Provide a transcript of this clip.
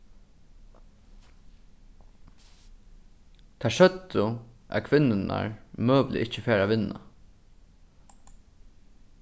tær søgdu at kvinnurnar møguliga ikki fara at vinna